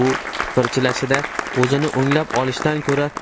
bu tipirchilashida o'zini o'nglab olishdan ko'ra